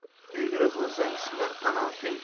egri bo'lsang sinar qanoting